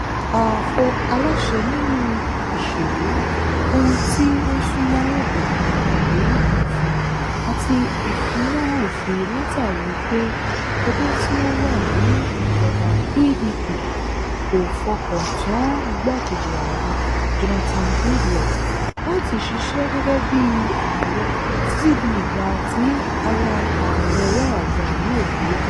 Ààfo aláṣẹ nínú ìṣèlú, ohun tí ó súnmọ́ rògbòdìyàn ìwé òfin, àti ìfínná òfin látààrí pé ẹgbẹ̀ tí ó wà ní ìjọba (PDP) kò fọkàn tán Igbákejì Ààrẹ (Jonathan Goodluck) láti ṣiṣẹ́ gẹ́gẹ́ bíi Ààrẹ títí di ìgbà tí ara Ààrẹ Yar'Adua yóò fi yá.